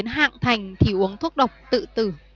hạng thành thì uống thuốc độc tự tử